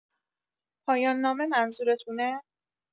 پایان‌نامه منظورتونه؟